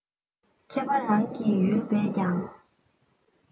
མཁས པ རང གི ཡུལ བས ཀྱང